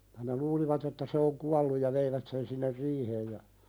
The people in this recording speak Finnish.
ja ne luulivat että se on kuollut ja veivät sen sinne riiheen ja